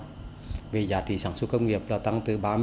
về giá trị sản xuất công nghiệp đã tăng từ ba